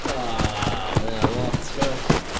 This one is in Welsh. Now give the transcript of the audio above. O mae hynna'n lot gwell.